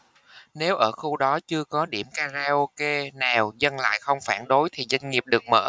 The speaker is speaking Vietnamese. nếu ở khu đó chưa có điểm karaoke nào dân lại không phản đối thì doanh nghiệp được mở